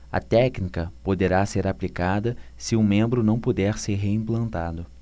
a técnica poderá ser aplicada se o membro não puder ser reimplantado